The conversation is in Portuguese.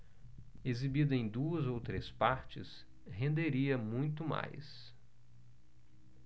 exibida em duas ou três partes renderia muito mais